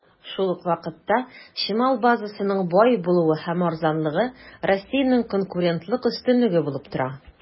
Шул ук вакытта, чимал базасының бай булуы һәм арзанлыгы Россиянең конкурентлык өстенлеге булып тора.